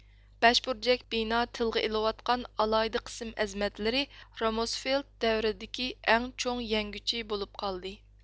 بەشبۇرجەك بىنا تىلغا ئېلىۋاتقان ئالاھىدە قىسىم ئەزىمەتلىرى رامۇسفېلد دەۋرىدىكى ئەڭ چوڭ يەڭگۈچى بولۇپ قالدى